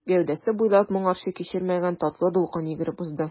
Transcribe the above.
Гәүдәсе буйлап моңарчы кичермәгән татлы дулкын йөгереп узды.